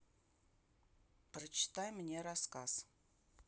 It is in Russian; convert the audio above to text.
прочитай мне рассказ